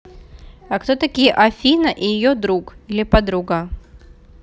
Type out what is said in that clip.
а кто такие афина и ее друг или подруга